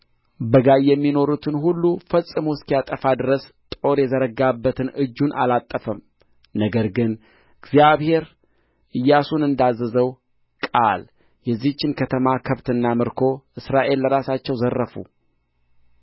በጋይ የሚኖሩትን ሁሉ ፈጽሞ እስኪያጠፋ ድረስ ጦር የዘረጋባትን እጁን አላጠፈም ነገር ግን እግዚአብሔር ኢያሱን እንዳዘዘው ቃል የዚያችን ከተማ ከብትና ምርኮ እስራኤል ለራሳቸው ዘረፉ